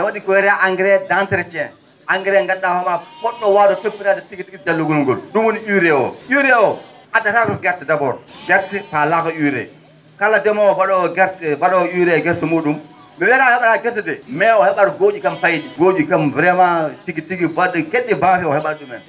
no wa?i ko wiyetee engrais d' entretien engrais nganndu?aa hoore maa po??o waawde toppitaade tigi tigi jallungol ngol ?um woni UREE o UREE o addata ?um gerte d' abord gerte falaaaka UREE kala ndemoowo ba?oowo gerte ba?oowo UREE e gerte mu?um mi wiyata he?ata gerte de mais o he?at goo?i kam pay?i goo?i kam vraiment tigi tigi ba??i ke??e baw?i o he?at ?umen